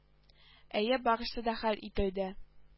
Әйе барысы да хәл ителде